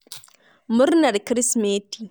Murnar Kirsimeti!